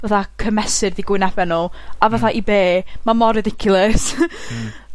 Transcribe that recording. fatha cymesur 'di gwynebe nw a fatha i be? Ma' mor ridiculous. Hmm.